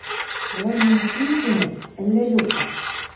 Болай мөмкин идеме, әллә юкмы?